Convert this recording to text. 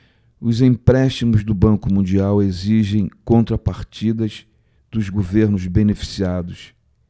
os empréstimos do banco mundial exigem contrapartidas dos governos beneficiados